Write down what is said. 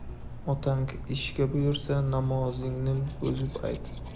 otang ishga buyursa namozingni buzib ayt